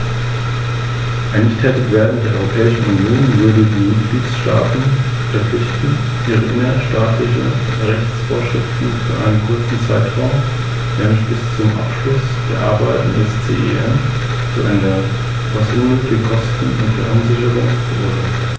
Um unsere Ziele zu erreichen, müssen wir uns aber ebenso dem Thema Energieeffizienz widmen, vor allem in Bezug auf Kraftfahrzeuge - sowohl im Bereich der privaten als auch der gewerblichen Nutzung.